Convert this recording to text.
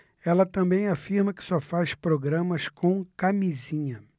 ela também afirma que só faz programas com camisinha